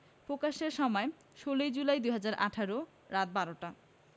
প্রকাশের সময় ১৬ জুলাই ২০১৮ রাত ১২টা